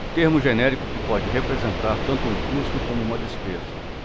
termo genérico que pode representar tanto um custo como uma despesa